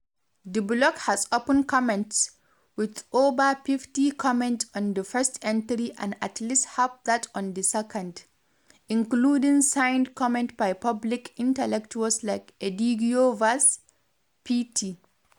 The blog has open comments, with over 50 comments on the first entry and at least half that on the second, including signed comments by public intellectuals like Edígio Vaz [pt].